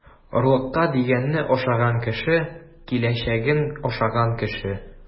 Орлыкка дигәнне ашаган кеше - киләчәген ашаган кеше.